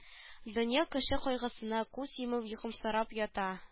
Дөнья кеше кайгысына күз йомып йокымсырап ята